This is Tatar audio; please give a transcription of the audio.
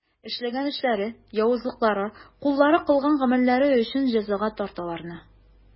Эшләгән эшләре, явызлыклары, куллары кылган гамәлләре өчен җәзага тарт аларны.